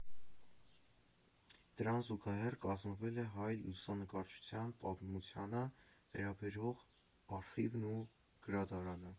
Դրան զուգահեռ կազմվել է հայ լուսանկարչության պատմությանը վերաբերող արխիվն ու գրադարանը։